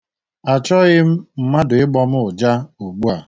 Achọghị m mmadụ ịgbọ m ụja ugbua.